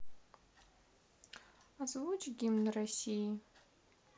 озвучь гимн россии